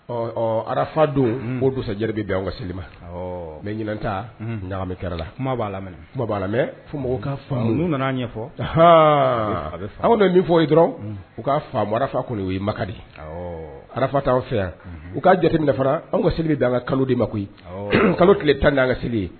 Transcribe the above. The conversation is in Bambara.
Ɔ arafa don don bɛ an ka seli ma n bɛ ɲin ta ɲaga kɛra la kuma b'a lam'au nana an ɲɛfɔ anw min fɔ ye dɔrɔn u ka fa ara kɔni ye madi arafa t'aw fɛ yan u ka jatera anw ka seli de dan an ka kalo de ma koyi kalo tile tan an ka seli